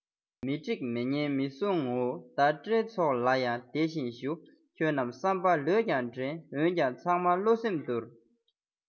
མི འགྲིག མི ཉན མི གསུང ངོ ད སྤྲེལ ཚོགས ལ ཡང དེ བཞིན ཞུ ཁྱོད རྣམས བསམ པ ལོས ཀྱང དྲན འོན ཀྱང ཚང མ བློ སེམས སྡུར